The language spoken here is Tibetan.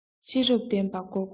ཤེས རབ ལྡན པ མགོ བསྐོར ཡང